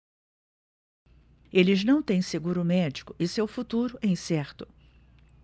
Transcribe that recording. eles não têm seguro médico e seu futuro é incerto